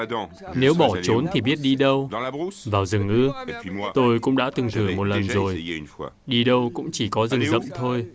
nếu bỏ trốn thì biết đi đâu vào rừng ư tôi cũng đã từng thử một lần rồi đi đâu cũng chỉ có rừng rậm thôi